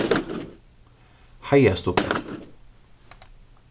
heiðastubbi